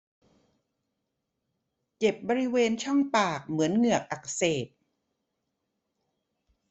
เจ็บบริเวณช่องปากเหมือนเหงือกอักเสบ